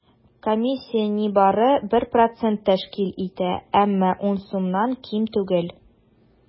Комиссия нибары 1 процент тәшкил итә, әмма 10 сумнан ким түгел.